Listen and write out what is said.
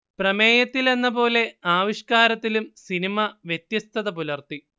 പ്രമേയത്തിലെന്ന പോലെ ആവിഷ്കാരത്തിലും സിനിമ വ്യത്യസ്തത പുലർത്തി